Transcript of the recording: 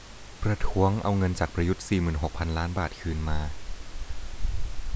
ประท้วงเอาเงินจากประยุทธ์สี่หมื่นหกพันล้านบาทคืนมา